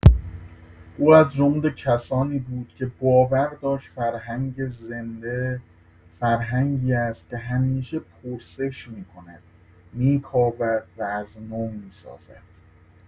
او از جمله کسانی بود که باور داشت فرهنگ زنده، فرهنگی است که همیشه پرسش می‌کند، می‌کاود و از نو می‌سازد.